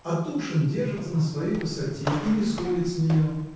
А Тушин держится на своей высоте и не сходит с нее.